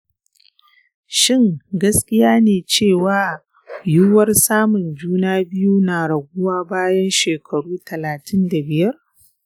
shin gaskiya ne cewa yiwuwar samun juna biyu na raguwa bayan shekaru talatin da biyar?